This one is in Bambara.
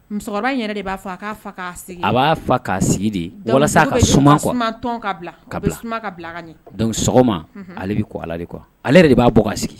Musokɔrɔba yɛrɛ de b'a a b'a' sigi de sɔgɔma ale bɛ ko ala kɔ ale de b'a bɔ ka sigi